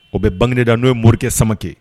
O bɛ banda n'o ye morikɛ sama kɛ